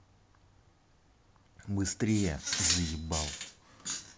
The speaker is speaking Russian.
быстрее заебал